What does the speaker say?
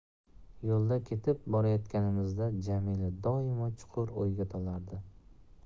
yo'lda ketib borayotganimizda jamila doimo chuqur o'yga tolardi